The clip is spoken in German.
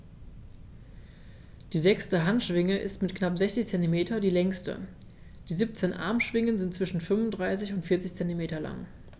Die sechste Handschwinge ist mit knapp 60 cm die längste. Die 17 Armschwingen sind zwischen 35 und 40 cm lang.